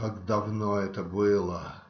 Как давно это было!.